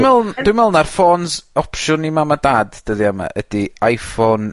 ...me'wl dwi me'wl ma'r ffôns opsiwn i mam a dad dyddyddia 'ma ydi Iphone